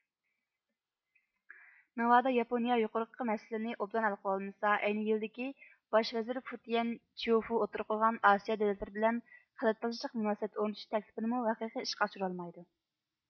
ناۋادا ياپونىيە يۇقىرقى مەسىلىنى ئوبدان ھەل قىلالمىسا ئەينى يىلىدىكى باش ۋەزىر فۇتىيەن چيۇفۇ ئوتتۇرىغا قويغان ئاسىيا دۆلەتلىرى بىلەن قەلبىداشلىق مۇناسىۋەت ئورنىتىش تەكلىپىنىمۇ ھەقىقىي ئىشقا ئاشۇرالمايدۇ